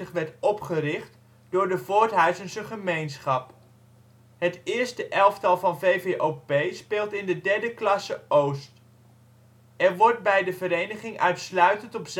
werd opgericht door de Voorthuizense gemeenschap. Het eerste elftal van VVOP speelt in de derde klasse Oost. Er wordt bij de vereniging uitsluitend